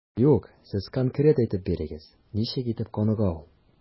Юк, сез конкрет әйтеп бирегез, ничек итеп каныга ул?